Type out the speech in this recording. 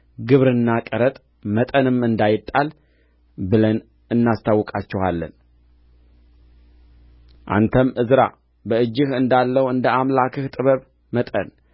ግብርና ቀረጥ መጥንም እንዳይጣል ብለን እናስታውቃችኋለን አንተም ዕዝራ በእጅህ እንዳለው እንደ አምላክህ ጥበብ መጠን